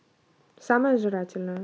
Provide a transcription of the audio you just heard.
самая жрательная